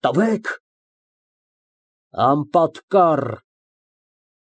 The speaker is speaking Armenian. Տվեք»։ Անպատկառ։